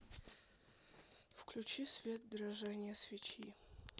включи свет дрожание свечи